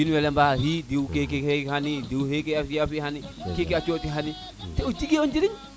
win we mbaxi diw xe xani diw xeke fiya fe xani keke a cota xani to jege o njiriñ